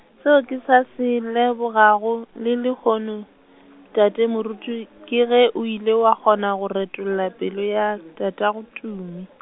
seo ke sa se lebogago le lehono, tate Moruti ke ge o ile wa kgona go retolla pelo ya, tatagoTumi.